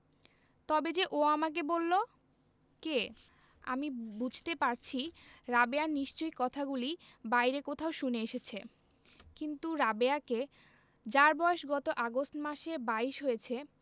তবে যে ও আমাকে বললো কে আমি বুঝতে পারছি রাবেয়া নিশ্চয়ই কথাগুলি বাইরে কোথাও শুনে এসেছে কিন্তু রাবেয়াকে যার বয়স গত আগস্ট মাসে বাইশ হয়েছে